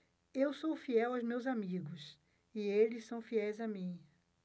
eu sou fiel aos meus amigos e eles são fiéis a mim